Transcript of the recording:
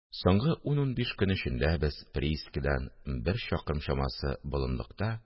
Соңгы ун-унбиш көн эчендә без приискадан бер чакрым чамасы болынлыкта